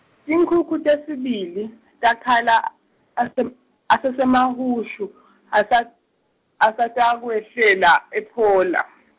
tinkhukhu tesibili, takhala a- ase- asaseMahushu asa- asatakwehlela ePhola.